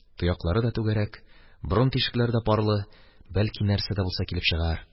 Тояклары да түгәрәк, борын тишекләре дә парлы, бәлки, нәрсә булса да чыгар.